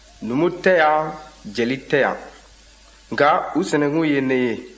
numu tɛ yan jeli tɛ yan nka u sinankun ye ne ye